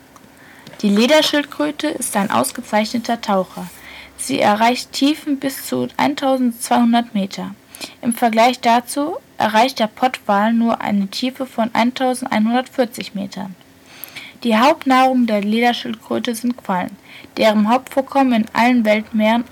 Die Lederschildkröte ist ein ausgezeichneter Taucher. Sie erreicht Tiefen von bis zu 1200 Meter. Im Vergleich dazu erreicht der Pottwal nur eine Tiefe von 1140 Metern. Die Hauptnahrung der Lederschildkröte sind Quallen, deren Hauptvorkommen sie in allen Weltmeeren